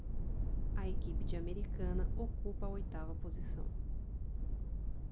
a equipe de americana ocupa a oitava posição